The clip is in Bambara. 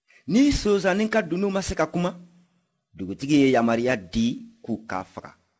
ni sonsannin ka dunun ma se ka kuma dugutigi ye yamariya di k'u k'a faga